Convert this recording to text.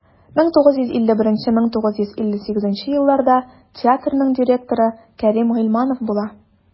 1951-1958 елларда театрның директоры кәрим гыйльманов була.